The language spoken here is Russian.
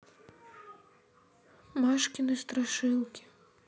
машкины страшилки